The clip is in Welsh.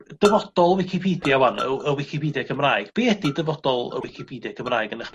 dyfodol wicipedia 'wan o y w- y wicipedia Cymraeg be' ydi dyfodol y wicipediea Cymraeg yn 'ych